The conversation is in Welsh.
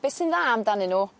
be' sy'n dda amdanyn n'w